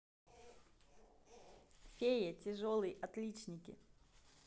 фея тяжелой отличники